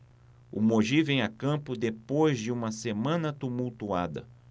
o mogi vem a campo depois de uma semana tumultuada